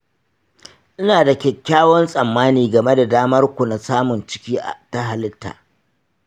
ina da kyakkyawan tsammani game da damar ku na samun ciki ta halitta.